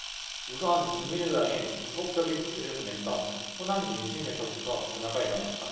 우선 국민의당에 전폭적인 지지를 보냈던 호남 민심에서부터 변화가 일어났다